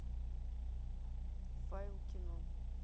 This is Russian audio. файл кино